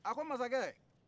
a ko masakɛ